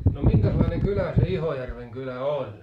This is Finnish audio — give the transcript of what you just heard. no minkälainen kylä se Ihojärven kylä oli